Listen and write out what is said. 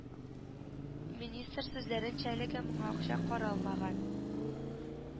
Министр сүзләренчә әлегә моңа акча каралмаган